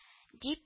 — дип